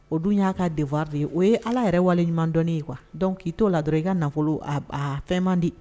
O dun y'a ka devoir de ye o ye Ala yɛrɛ waleɲumandɔnni ye quoi donc k'i t'o la dɔrɔn i ka nafolo ab aa fɛn mandi